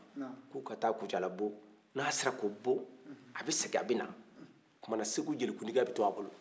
k'o ka taa kucala bon n'a sera k'o bon a bɛ segin a bɛ na o tumana segu jelikuntigiya bɛ t'a bolo